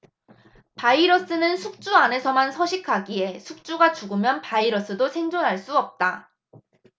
바이러스는 숙주 안에서만 서식하기에 숙주가 죽으면 바이러스도 생존할 수 없다